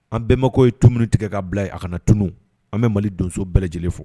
An bɛnmakɛw ye tu min tigɛ ka bila yan a ka na tunun an bɛ Mali donso bɛɛ lajɛlen fo.